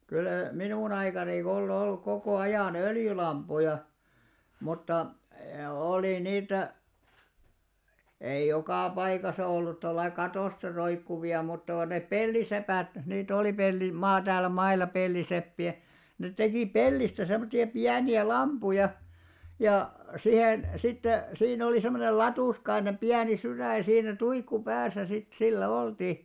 kyllä minun aikani on ollut koko ajan öljylamppuja mutta oli niitä ei joka paikassa ollut tuolla lailla katosta roikkuvia mutta kun ne peltisepät niitä oli -- täällä mailla peltiseppiä ne teki pellistä semmoisia pieniä lamppuja ja siihen sitten siinä oli semmoinen latuskainen pieni sydän ja siinä tuikku päässä sitten sillä oltiin